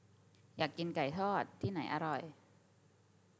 อยากกินไก่ทอดที่ไหนอร่อย